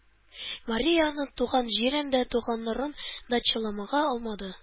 Мария аның туган җирен дә, туганнарын да чалымга алмады.